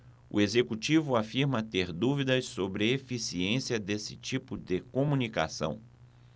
o executivo afirma ter dúvidas sobre a eficiência desse tipo de comunicação